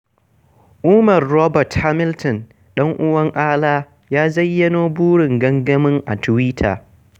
Omar Robert Hamilton, ɗan'uwan Alaa, ya zayyano burin gangamin a Tuwita: